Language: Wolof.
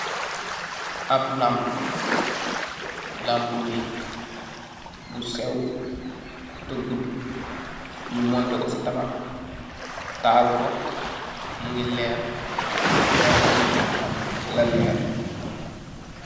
Ap lapp, lappu neuk bu sew teh gudu, nyu montehko si tabakh bi tahalko mu ngi leer. Leer gu wekh nak lah leer.